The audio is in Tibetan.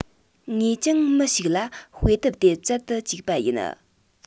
ངས ཀྱང མི ཞིག ལ དཔེ དེབ དེ བཙལ དུ བཅུག པ ཡིན